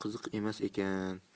qiziq emas ekan